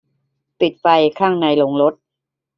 ปิดไฟข้างในโรงรถ